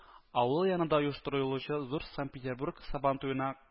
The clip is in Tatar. Авылы янында оештырылучы зур санкт-петербург сабантуена